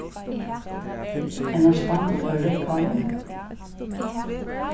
eina spann av reyðkáli